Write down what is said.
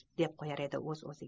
deb qo'yar edi o'z o'ziga